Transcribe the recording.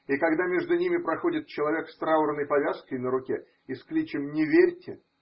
и когда между ними проходит человек с траурной повязкой на руке и с кличем: не верьте!